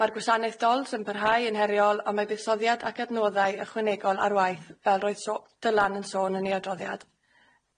Mae'r gwasanaeth DOLS yn parhau yn heriol, ond mae buddsoddiad ac adnoddau ychwanegol ar waith, fel roedd so- Dylan yn sôn yn ei adroddiad.